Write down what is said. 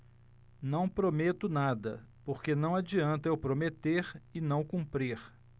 não prometo nada porque não adianta eu prometer e não cumprir